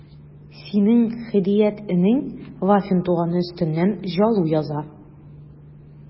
Синең Һидият энең Вафин туганы өстеннән жалу яза...